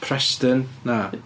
Preston? Na.